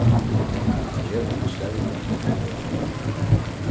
gev honum stólin